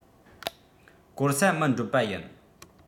བཀོལ ས མི འགྲོ པ ཡིན